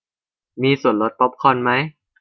มีส่วนลดป๊อปคอร์นมั้ย